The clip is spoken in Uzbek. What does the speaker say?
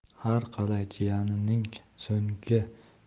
har qalay jiyanining so'nggi